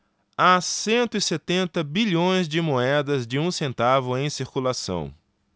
há cento e setenta bilhões de moedas de um centavo em circulação